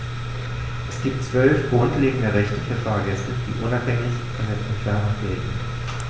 Es gibt 12 grundlegende Rechte für Fahrgäste, die unabhängig von der Entfernung gelten.